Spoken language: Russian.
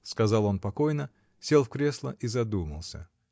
— сказал он покойно, сел в кресло и задумался.